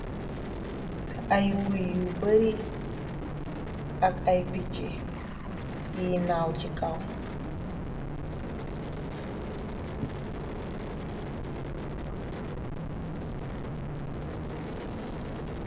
Ay gui yu barri ak ay picci yi naw ci kaw.